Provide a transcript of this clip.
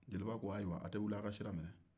jeliba ko ayiwa a tɛ wuli a ka sira minɛ